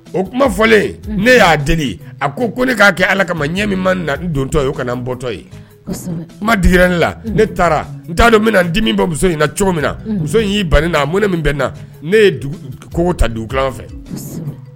O kuma fɔlen , unhun, ne y'a deli, a ko ko ne k'a kɛ Ala kama ɲɛ min ma na n don tɔ ye o kana n bɔ tɔ ye, kosɛbɛ, kuma digira ne la, ne taara n tan don min na dimi bɔ muso in na cogo min na, unhun, muso in y'i ban ne la,a mɔnɛ min bɛ n na, ne ye dugu kogo ta dugutilama fɛ.